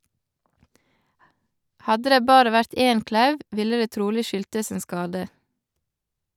- Hadde det bare vært én klauv, ville det trolig skyldtes en skade.